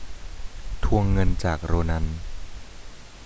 ทวงเงินจากโรนัน